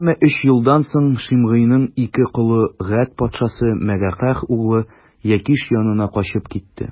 Әмма өч елдан соң Шимгыйның ике колы Гәт патшасы, Мәгакәһ углы Әкиш янына качып китте.